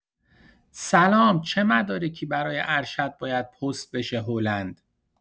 سلام چه مدارکی برای ارشد باید پست بشه هلند؟